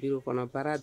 Donkɔnɔ baara don